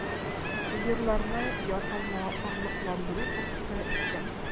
Сыерларны ясалма орлыкландыру пункты эшләп тора.